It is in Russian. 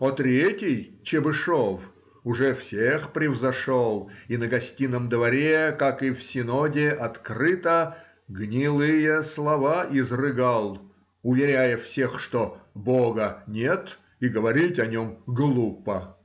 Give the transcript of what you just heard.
а третий, Чебышев, уже всех превзошел и на гостином дворе, как и в синоде, открыто гнилые слова изрыгал, уверяя всех, что бога нет и говорить о нем глупо.